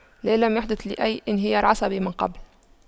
لا لم يحدث لي أي انهيار عصبي من قبل